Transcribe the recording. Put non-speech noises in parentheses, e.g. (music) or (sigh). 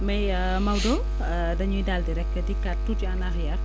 mais (hesitation) (sniffs) Maodo (hesitation) dañuy daal di rek dikkaat tuuti en arrière